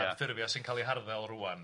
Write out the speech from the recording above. a'r ffurfiau sy'n cael eu harddil rŵan?